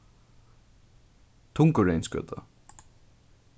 tungureynsgøta